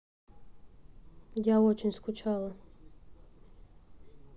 я очень скучала